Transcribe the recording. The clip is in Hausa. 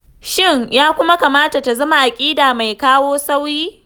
Shin ya kuma kamata ta zama aƙida mai kawo sauyi?